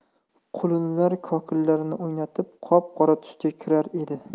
qulunlar kokillarini o'ynatib qop qora tusga kirar edi